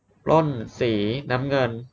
ปล้นสีน้ำเงิน